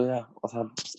so ia fatha